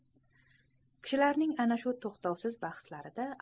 kishilarning ana shu to'xtovsiz bahslarida